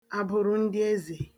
àbụ̀rụ̀ndịeze